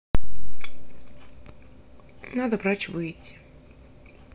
надо врач выйти